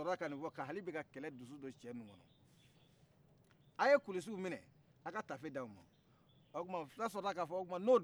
aw ye kulusiw minɛ aw ka taafe d'anw ma o tuma fulaw sɔrɔla k'a fɔ o tuma n'o don